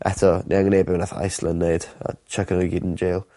Eto newn ni neud be' nath Iceland neud a chuco nw gyd yn jêl.